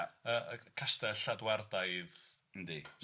yy y castell Lladwardaidd, yndy, sydd